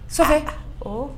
Sagaw, oo